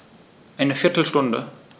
Eine viertel Stunde